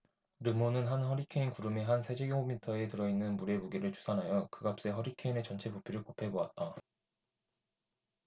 르몬은 한 허리케인 구름의 한 세제곱미터에 들어 있는 물의 무게를 추산하여 그 값에 허리케인의 전체 부피를 곱해 보았다